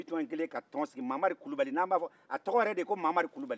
bitɔn kɛlen ka tɔn sigi mamari kulibali n'an b'a fɔ a tɔgɔ yɛrɛ de ye ko mamari kulibali